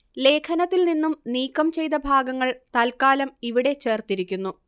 ലേഖനത്തിൽ നിന്നും നീക്കം ചെയ്ത ഭാഗങ്ങൾ തൽക്കാലം ഇവിടെ ചേർത്തിരിക്കുന്നു